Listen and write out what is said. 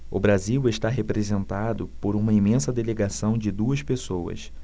o brasil está representado por uma imensa delegação de duas pessoas